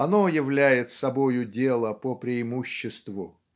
оно являет собою дело по преимуществу.